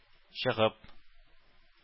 Чыгып